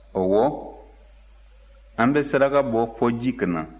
ɔwɔ an bɛ saraka bɔ fɔ ji ka na